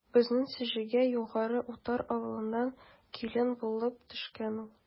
Безнең Сеҗегә Югары Утар авылыннан килен булып төшкән ул.